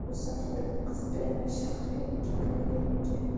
musofirga qiz berma shahri ikki ko'ngli ikki